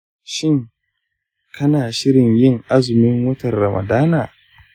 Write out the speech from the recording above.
shin kana shirin yin azumin watan ramadana?